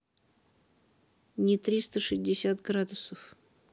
не триста шестьдесят градусов